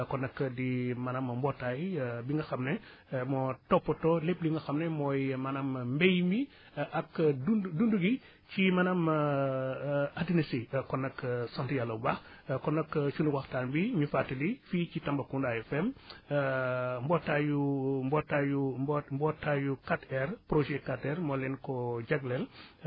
kon nag di maanaam mbootaay bi nga xam ne moo toppatoo lépp li nga xam ne mooy maanaam mbay mi ak dund dund gi ci maanaam adduna si kon nag sant Yàlla bu baax kon nag sunu waxtaan wi ñu fàttali fii ci Tambacounda FM mbootaayu mbootaayu mboot mbootaayu 4R projet 4R moo leen ko jagleen